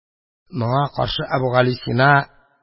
Моңа каршы Әбүгалисина